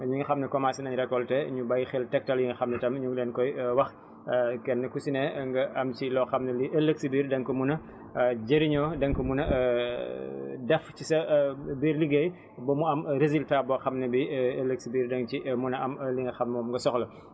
ñi nga xam ne commencé nañ récolté ñu bàyyi xel tegtal yi nga xam ne tam ñu ngi leen koy wax kenn ku si ne nga am ci loo xam ne lii ëllëg si biir danga ko mën a jëriñoo danga ko mën a def ci sa biir liggéey ba mu am résultat boo xam ne bii ëllëg si biir da nga ci mën a am li nga xam moom nga soxla